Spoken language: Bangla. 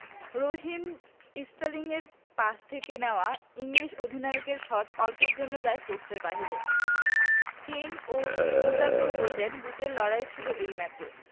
রহিম স্টার্লিংয়ের পাস থেকে নেওয়া ইংলিশ অধিনায়কের শট অল্পের জন্য যায় পোস্টের বাইরে কেইন ও লুকাকুর গোল্ডেন বুটের লড়াইও ছিল এই ম্যাচ